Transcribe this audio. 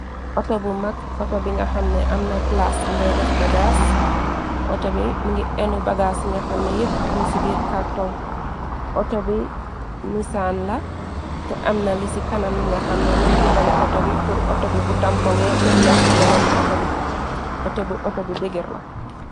Auto bu mag. Auto bi nag xamne amna plaas bi ngay def bagaas. Auto bi mi ngi enu bagaas yi nga xamne yépp mun ci biir kàrtoŋ. Auto bi nisaan la. Te amna li ci kanam li nga xamne moy dimbale outo bi pur auto bi bu tampoŋe bum yax yarami auto bi. Te auto bi auto bu degir la.